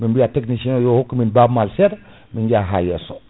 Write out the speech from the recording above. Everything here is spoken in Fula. min biya technicien o yo hokkumin Baba Maal seeɗa min jaaha ha yesso